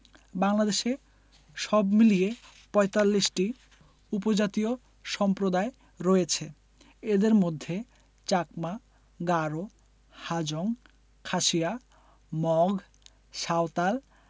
বাংলাদেশে সব মিলিয়ে প্রায় ৪৫টি উপজাতীয় সম্প্রদায় রয়েছে এদের মধ্যে চাকমা গারো হাজং খাসিয়া মগ সাঁওতাল